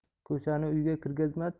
ko'sani uyga kirgazma